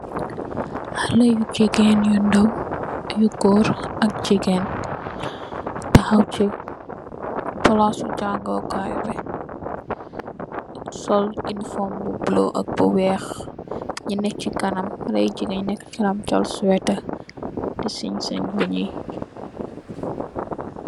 Haleh yu jegain yu ndaw yu goor ak jegain tahaw se plase jangukaye ba sol eniform bu bulo ak bu weex nu neh se kanam haleh yu jegain yu neka se kanam sol suweta de cin sen benj yee.